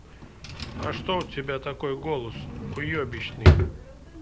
а что у тебя такой голос уебищный